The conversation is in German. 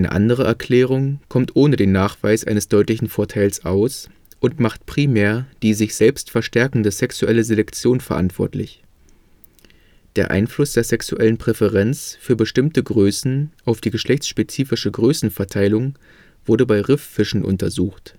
andere Erklärung kommt ohne Nachweis eines deutlichen Vorteils aus und macht primär die sich selbst verstärkende sexuelle Selektion verantwortlich. Der Einfluss der sexuellen Präferenz für bestimmte Größen auf die geschlechtsspezifische Größenverteilung wurde bei Rifffischen untersucht